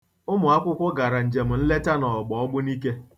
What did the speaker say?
Ụmụ akwụkwọ gara njemnleta n'Ọgba Ogbunike.